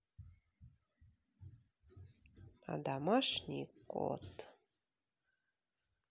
а домашний кот